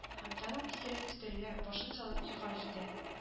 Һәм тәмам исереп, өстәлгә башын салып, йокыга китә